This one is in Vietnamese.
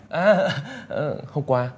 ơ ơ hôm qua